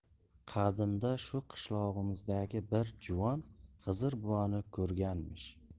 qadimda shu qishlog'imizdagi bir juvon xizr buvani ko'rganmish